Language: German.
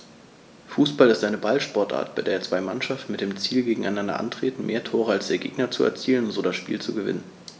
Fußball ist eine Ballsportart, bei der zwei Mannschaften mit dem Ziel gegeneinander antreten, mehr Tore als der Gegner zu erzielen und so das Spiel zu gewinnen.